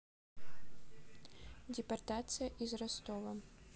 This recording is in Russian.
депортация из ростова